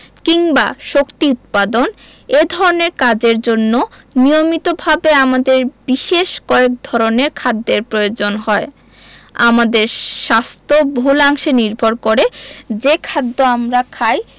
কিংবা শক্তি উৎপাদন এ ধরনের কাজের জন্য নিয়মিতভাবে আমাদের বিশেষ কয়েক ধরনের খাদ্যের প্রয়োজন হয় আমাদের স্বাস্থ্য বহুলাংশে নির্ভর করে যে খাদ্য আমরা খাই